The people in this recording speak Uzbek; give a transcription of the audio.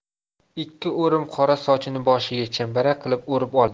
ikki o'rim qora sochini boshiga chambarak qilib o'rib olgan